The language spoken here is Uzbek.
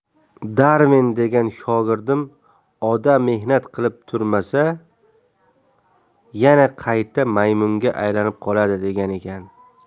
darvin degan shogirdim odam mehnat qilib turmasa yana qayta maymunga aylanib qoladi degan ekan